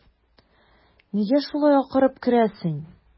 Нигә шулай акырып керәсең?